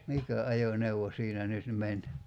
mikä ajoneuvo siinä nyt meni